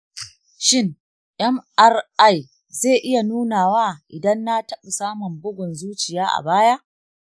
shin mri zai iya nunawa idan na taɓa samun bugun zuciya a baya?